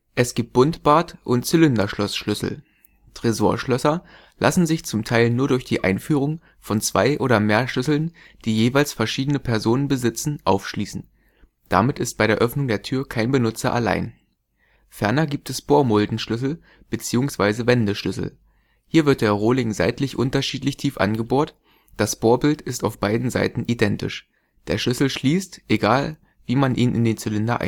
Es gibt Buntbart - und Zylinderschloss-Schlüssel. Tresorschlösser lassen sich zum Teil nur durch die Einführung von zwei oder mehr Schlüsseln, die jeweils verschiedene Personen besitzen, aufschließen. Damit ist bei der Öffnung der Tür kein Benutzer allein. Ferner gibt es Bohrmuldenschlüssel bzw. Wendeschlüssel. Hier wird der Rohling seitlich unterschiedlich tief angebohrt, das Bohrbild ist auf beiden Seiten identisch – der Schlüssel schließt, egal wie man ihn in den Zylinder einführt